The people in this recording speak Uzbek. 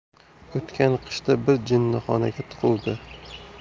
o'tgan qishda bir jinnixonaga tiquvdi